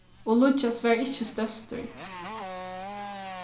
og líggjas var ikki størstur